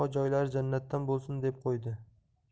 joylari jannatdan bo'lsin deb qo'ydi